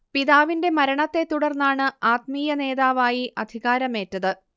പിതാവിന്റെ മരണത്തെ തുടർന്നാണ് ആത്മീയനേതാവായി അധികാരമേറ്റത്